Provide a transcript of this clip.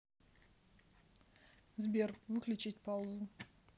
сбер выключить пауза